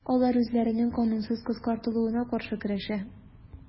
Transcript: Алар үзләренең канунсыз кыскартылуына каршы көрәшә.